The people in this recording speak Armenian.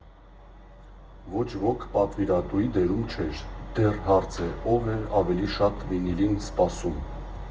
Ոչ ոք պատվիրատուի դերում չէր, դեռ հարց է՝ ով էր ավելի շատ վինիլին սպասում։